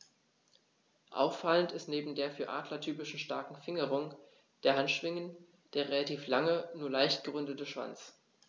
Auffallend ist neben der für Adler typischen starken Fingerung der Handschwingen der relativ lange, nur leicht gerundete Schwanz.